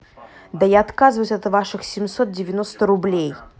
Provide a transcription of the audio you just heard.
я отказываюсь от ваших семьсот девяносто рублей